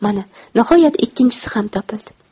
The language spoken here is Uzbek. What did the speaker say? mana nihoyat ikkinchisi ham topildi